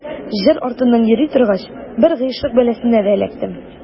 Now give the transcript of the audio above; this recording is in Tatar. Җыр артыннан йөри торгач, бер гыйшык бәласенә дә эләктем.